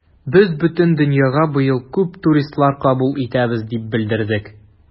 Без бөтен дөньяга быел күп туристлар кабул итәбез дип белдердек.